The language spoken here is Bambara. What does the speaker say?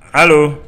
H